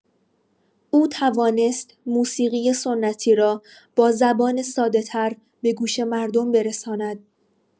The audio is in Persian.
او توانست موسیقی سنتی را با زبان ساده‌‌تر به گوش مردم برساند.